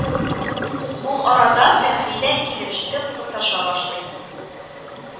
Ул арада Фәхри дә, килеп җитеп, кысташа башлый